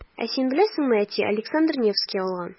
Ә син беләсеңме, әти Александр Невский алган.